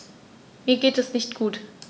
Mir geht es nicht gut.